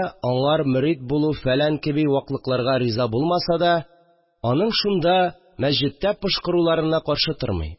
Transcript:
Аңар мөрид булу-фәлән кеби ваклыкларга риза булмаса да, аның шунда, мәчеттә пошкыруларына каршы тормый